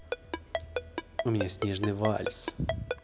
у меня снежный вальс